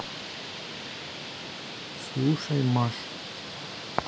слушай маш